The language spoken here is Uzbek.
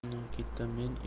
uning ketidan men